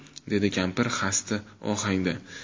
dedi kampir xasta ohangda